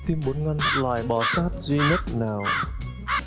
tim bốn ngăn loài bò sát duy nhất nào